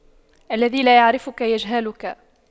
الذي لا يعرفك يجهلك